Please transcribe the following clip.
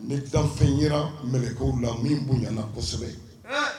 Ni ka fɛn yera mɛlɛkɛw la min boyana kosɛbɛ.